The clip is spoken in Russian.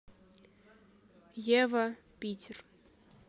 ева питер